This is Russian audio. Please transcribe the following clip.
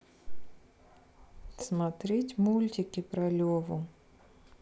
смотреть мультик про леву